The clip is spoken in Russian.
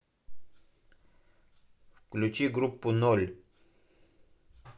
включи группу ноль